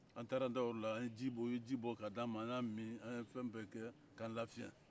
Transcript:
an taara d'o yɔrɔ la yen u ye ji bɔ ka d'an ma an y'an min an ye fɛn bɛ kɛ k'an lafiɲɛ